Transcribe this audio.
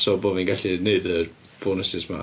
So bo' fi'n gallu neud y bonwsus yma.